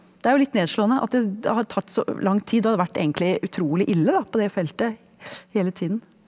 det er jo litt nedslående at det har tatt så lang tid og hadde vært egentlig utrolig ille da på det feltet hele tiden.